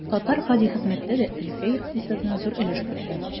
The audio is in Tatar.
Татар гади хезмәттә дә өлкә икътисадына зур өлеш кертә.